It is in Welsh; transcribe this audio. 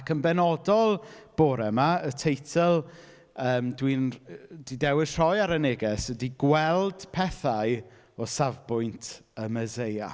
Ac yn benodol bore 'ma, y teitl yym dwi'n r- 'di dewis rhoi ar y neges ydy Gweld Pethau o Safbwynt y Meseia.